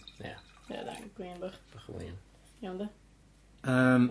Ia. Ia dang- gwin bach. Bach o win. Iawn de? Yym.